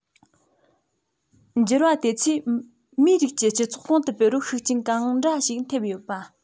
འགྱུར བ དེ ཚོས མིའི རིགས ཀྱི སྤྱི ཚོགས གོང དུ སྤེལ བར ཤུགས རྐྱེན གང འདྲ ཞིག ཐེབས ཡོད པ